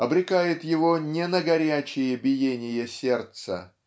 обрекает его не на горячие биения сердца